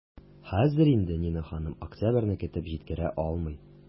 Хәзер инде Нина ханым октябрьне көтеп җиткерә алмый.